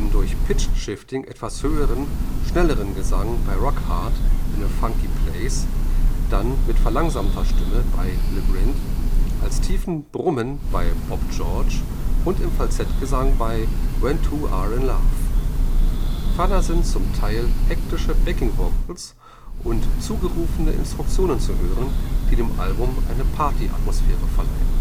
durch Pitch-Shifting etwas höheren und schnelleren Gesang bei Rockhard in a Funky Place, dann mit verlangsamter Stimme bei Le Grind, als tiefes Brummen bei Bob George und im Falsettgesang bei When 2 R in Love. Ferner sind zum Teil hektische Backing Vocals und zugerufene Instruktionen zu hören, die dem Album eine Party-Atmosphäre verleihen